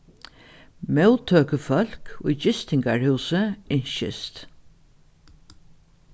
móttøkufólk í gistingarhúsi ynskist